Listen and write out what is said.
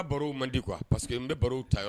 N baro man di kuwa pa queseke n bɛ barow ta